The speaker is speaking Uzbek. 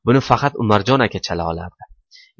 buni faqat umarjon aka chala olardi